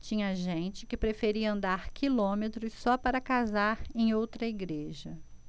tinha gente que preferia andar quilômetros só para casar em outra igreja